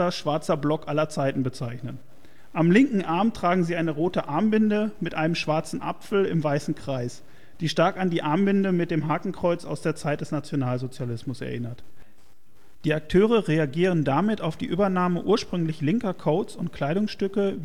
schwarzer Block aller Zeiten “bezeichnen. Am linken Arm tragen sie eine rote Armbinde mit einem schwarzen Apfel im weißen Kreis, die stark an die Armbinde mit dem Hakenkreuz aus der Zeit des Nationalsozialismus erinnert. Die Akteure reagieren damit auf die Übernahme ursprünglich linker Codes und Kleidungsstücke